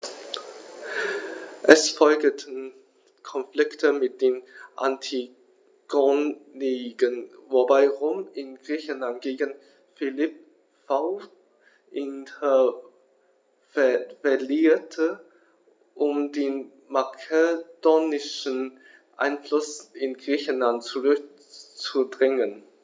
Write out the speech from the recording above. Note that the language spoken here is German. Es folgten Konflikte mit den Antigoniden, wobei Rom in Griechenland gegen Philipp V. intervenierte, um den makedonischen Einfluss in Griechenland zurückzudrängen.